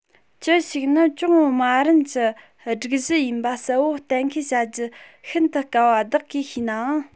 ཅི ཞིག ནི ཅུང དམའ རིམ གྱི སྒྲིག གཞི ཡིན པ གསལ པོར གཏན འཁེལ བྱ རྒྱུ ཤིན ཏུ དཀའ བ བདག གིས ཤེས ནའང